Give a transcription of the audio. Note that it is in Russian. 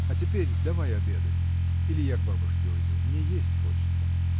— А теперь давай обедать: или я к бабушке уйду. Мне есть хочется.